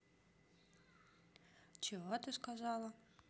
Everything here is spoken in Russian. чего ты сказала